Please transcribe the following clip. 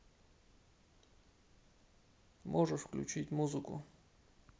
можешь включить музыку